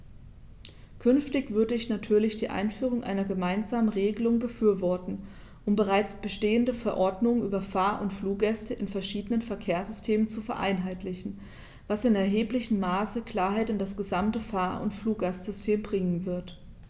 Künftig würde ich natürlich die Einführung einer gemeinsamen Regelung befürworten, um bereits bestehende Verordnungen über Fahr- oder Fluggäste in verschiedenen Verkehrssystemen zu vereinheitlichen, was in erheblichem Maße Klarheit in das gesamte Fahr- oder Fluggastsystem bringen wird.